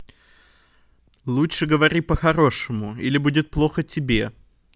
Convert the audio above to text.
лучше говори по хорошему или будет плохо тебе